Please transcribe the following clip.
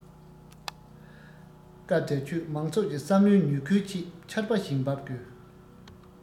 སྐབས དེར ཁྱོད མང ཚོགས ཀྱི བསམ བློའི མྱུ གུའི ཆེད ཆར པ བཞིན འབབ དགོས